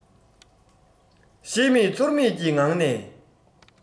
ཤེས མེད ཚོར མེད ཀྱི ངང ནས